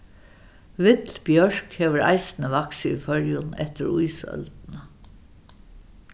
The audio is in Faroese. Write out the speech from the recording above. vill bjørk hevur eisini vaksið í føroyum eftir ísøldina